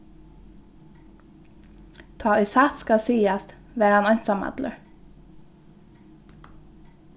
tá ið satt skal sigast var hann einsamallur